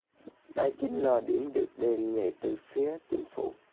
đây chính là điểm được đề nghị từ phía chính phủ